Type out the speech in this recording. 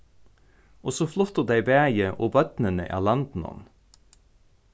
og so fluttu tey bæði og børnini av landinum